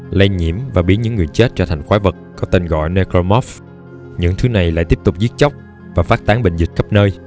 lây nhiễm và biến những người chết trở thành loài quái vật có tên gọi necromorphs những thứ này lại tiếp tục giết chóc và phát tán bệnh dịch khắp nơi